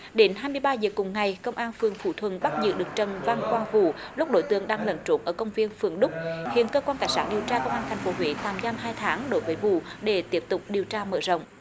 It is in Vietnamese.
đến hai mươi ba giờ cùng ngày công an phường phú thuận bắt giữ được trần văn quang vũ lúc đối tượng đang lẩn trốn ở công viên phường đúc hiện cơ quan cảnh sát điều tra công an thành phố huế tạm giam hai tháng đối với vũ để tiếp tục điều tra mở rộng